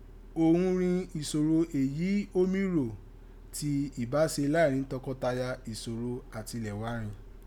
òghun rin ìṣòro èyí ó mí ro ti ìbáṣe láàárín tọkọtaya – ìṣòro àtilẹ̀wá rin.